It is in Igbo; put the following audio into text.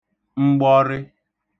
mgbọrị